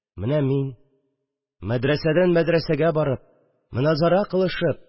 Менә мин – мәдрәсәдән мәдрәсәгә барып, моназарә кылышып